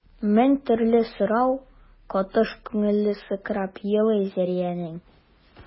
Мең төрле сорау катыш күңеле сыкрап елый Зәриянең.